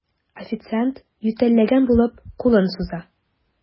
Официант, ютәлләгән булып, кулын суза.